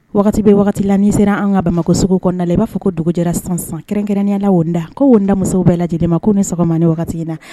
Wagati bɛ wagati la n'i sera an ka Bamakɔ suguba kɔnɔna la i b'a fɔ ko dugu jɛra sisan sisan kɛrɛnkɛrɛnya la woninda, ko woninda musow bɛɛ lajɛlen ma ko u ni sɔgɔma ni wagati in na